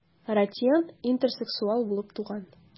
Ратьен интерсексуал булып туган.